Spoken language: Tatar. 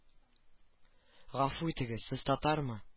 Гафу итегез сез татармы